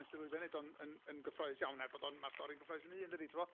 wnes di lwyddo wneud o'n yn, yn yn gyffroes iawn er bod o'n... mae'r stori'n gyffroes ei hun dydy, tibod.